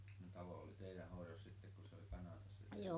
no talo oli teidän hoidossa sitten kun se oli Kanadassa se mies